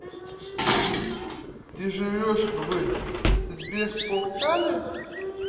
ты живешь в сберпортале